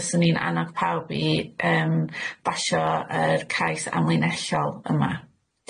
fyswn i'n annog pawb i yym basio yr cais amlinelliol yma.